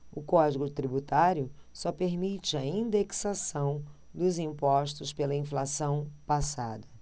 o código tributário só permite a indexação dos impostos pela inflação passada